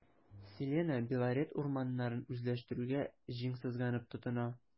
“селена” белорет урманнарын үзләштерүгә җиң сызганып тотына.